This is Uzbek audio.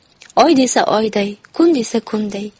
oy desa oyday kun desa kunday